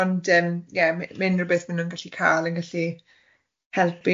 Ond yym ie m- mae unrywbeth maen nhw'n gallu cael yn gallu helpu